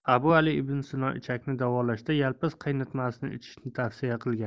abu ali ibn sino ichakni davolashda yalpiz qaynatmasini ichishni tavsiya qilgan